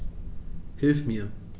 Hilf mir!